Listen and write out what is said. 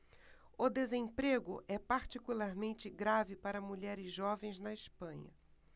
o desemprego é particularmente grave para mulheres jovens na espanha